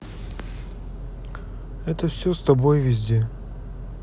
это все с тобой везде